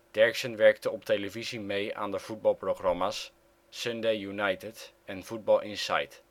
Derksen werkte op televisie mee aan de voetbalprogramma 's Sunday United en Voetbal Insite